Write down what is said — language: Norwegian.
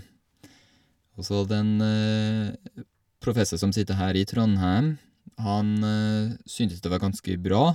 Og så den professor som sitter her i Trondheim, han syntes det var ganske bra.